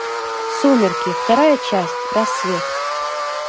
сумерки вторая часть рассвет